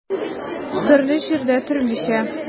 Төрле җирдә төрлечә.